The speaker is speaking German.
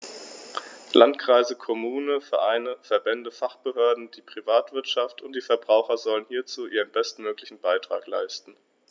Landkreise, Kommunen, Vereine, Verbände, Fachbehörden, die Privatwirtschaft und die Verbraucher sollen hierzu ihren bestmöglichen Beitrag leisten.